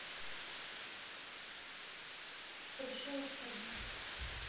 прощаюсь с тобой